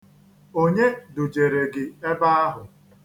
Onye dujere gị ebe ahụ?